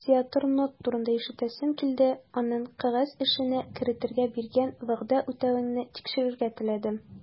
Теодор Нотт турында ишетәсем килде, аннан кәгазь эшенә керешергә биргән вәгъдә үтәвеңне тикшерергә теләдем.